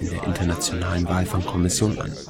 Internationalen Walfangkommission